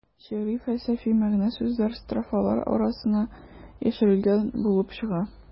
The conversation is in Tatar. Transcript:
Шигъри фәлсәфә, мәгънә-сүзләр строфалар арасына яшерелгән булып чыга.